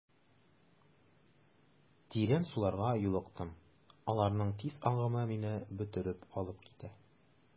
Тирән суларга юлыктым, аларның тиз агымы мине бөтереп алып китә.